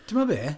Timod be?...